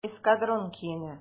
"эскадрон" көенә.